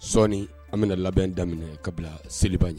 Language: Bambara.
Sɔɔni an bɛna labɛn daminɛ kabila bila seli